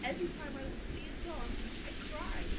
Every time I watch Dear John, I cry.